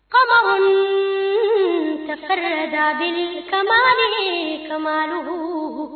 Kamalensonin terikɛ da kamalen kadugu